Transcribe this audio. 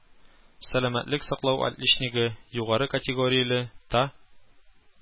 Сәламәтлек саклау отличнигы, югары категорияле та